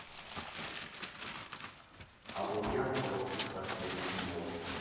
Աբովյան փողոցի խաչմերուկի մոտ։